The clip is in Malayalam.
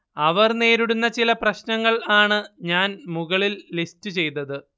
അവർ നേരിടുന്ന ചില പ്രശ്നങ്ങൾ ആണ് ഞാൻ മുകളിൽ ലിസ്റ്റ് ചെയ്തത്